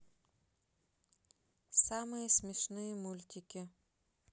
самые смешные мультики